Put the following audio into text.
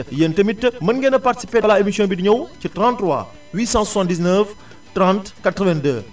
yéen tamit mën ngeen a participé balaa émission bi di ñëw ci 33 879 30 82